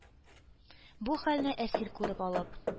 Бу хәлне Әсир күреп алып,